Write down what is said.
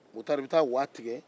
n'u taara u bɛ taa waga tigɛ